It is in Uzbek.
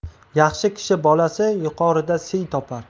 yaxshi kishi bolasi yuqoridan siy topar